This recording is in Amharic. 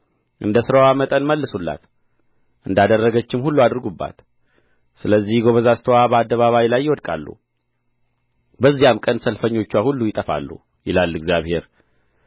እንደ ሥራዋ መጠን መልሱላት እንዳደረገችም ሁሉ አድርጉባት ስለዚህ ጐበዛዝትዋ በአደባባይዋ ላይ ይወድቃሉ በዚያም ቀን ሰልፈኞችዋ ሁሉ ይጠፋሉ ይላል እግዚአብሔር